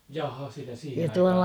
jaaha sitä siihen aikaan